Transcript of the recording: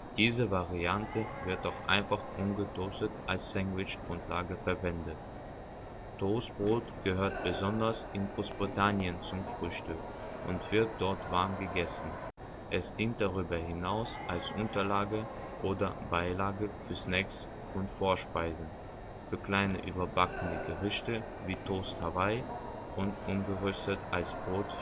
Diese Variante wird auch einfach ungetoastet als Sandwich-Grundlage verwendet. Toastbrot gehört besonders in Großbritannien zum Frühstück und wird dort warm gegessen. Es dient darüber hinaus als Unterlage oder Beilage für Snacks und Vorspeisen, für kleine überbackene Gerichte wie Toast Hawaii und ungeröstet als Brot